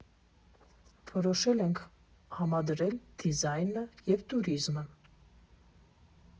Որոշել ենք համադրել դիզայնը և տուրիզմը։